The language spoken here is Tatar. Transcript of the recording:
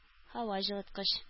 Һаваҗылыткыч